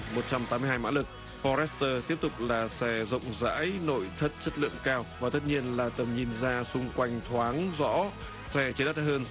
một trăm tám mươi hai mã lực pho roét tơ tiếp tục là xe rộng rãi nội thất chất lượng cao và tất nhiên là tầm nhìn ra xung quanh thoáng rõ xe chỉ đắt hơn